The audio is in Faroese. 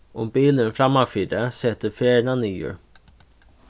um bilurin frammanfyri setur ferðina niður